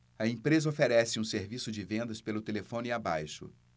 a empresa oferece um serviço de vendas pelo telefone abaixo